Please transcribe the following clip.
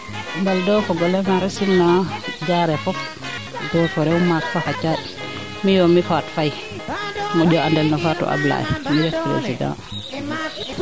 mbaldoo o fogole maxey simnaa Diarere fop goor fo rew maak faxa caaƴ miyo mi Fatpu Faye moƴo andel no Fatou Ablaye mi ref president